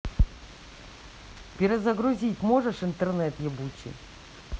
перезагрузить можешь интернет ебучий